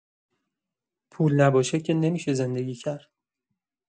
پول نباشه که نمی‌شه زندگی کرد.